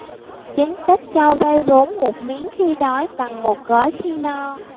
chính sách cho vay vốn một miếng khi đói bằng một gói khi no